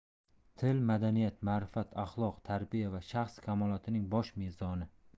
til madaniyat ma'rifat axloq tarbiya va shaxs kamolotining bosh mezoni